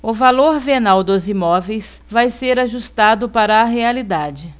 o valor venal dos imóveis vai ser ajustado para a realidade